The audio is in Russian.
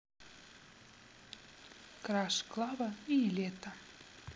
краш клава и нилетто